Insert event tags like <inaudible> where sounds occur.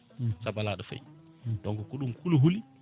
<smacks lips> saabu ala ɗo faayi donc ko ɗum kulihuli